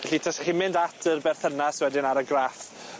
Felly, tasach chi'n mynd at yr berthynas wedyn ar y graff